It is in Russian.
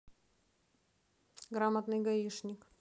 грамотный гаишник